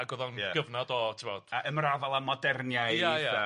ag o'dd o'n gyfnod o ti'bod... A ymrafael â moderniaeth... Ia ia...